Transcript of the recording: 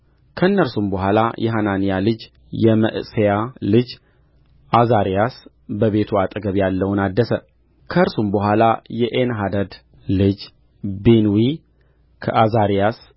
ከእነርሱም በኋላ የሐናንያ ልጅ የመዕሤያ ልጅ ዓዛርያስ በቤቱ አጠገብ ያለውን አደሰ ከእርሱም በኋላ የኤንሐደድ ልጅ ቢንዊ ከዓዛርያስ